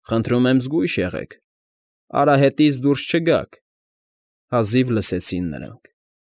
Խնդրում եմ զգույշ ե֊ղե՛ք։ Ա֊րա֊հե֊տից դուրս չգա՜ք,֊ հազիվ լսեցին նրանք։